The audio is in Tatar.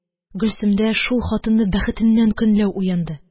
Гөлсемдә шул хатынны бәхетеннән көнләү уянды